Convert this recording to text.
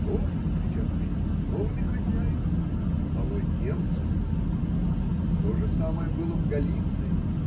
– тоже кричат вместе с новыми хозяевами: Долой немца! То же самое было в Галиции.